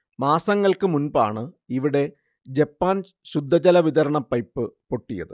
മാസങ്ങൾക്കു മുൻപാണ് ഇവിടെ ജപ്പാൻ ശുദ്ധജല വിതരണ പൈപ്പ് പൊട്ടിയത്